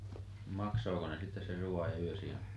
maksoiko ne sitten sen ruoan ja yösijan